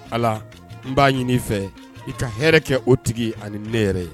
Ala n b'a ɲin'i fɛ i ka hɛrɛ kɛ o tigi ani ne yɛrɛ